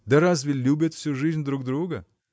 да разве любят всю жизнь друг друга?